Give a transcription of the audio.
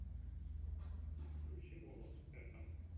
включи голос это